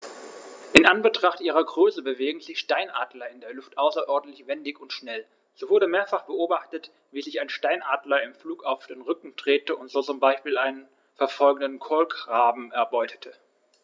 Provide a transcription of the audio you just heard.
In Anbetracht ihrer Größe bewegen sich Steinadler in der Luft außerordentlich wendig und schnell, so wurde mehrfach beobachtet, wie sich ein Steinadler im Flug auf den Rücken drehte und so zum Beispiel einen verfolgenden Kolkraben erbeutete.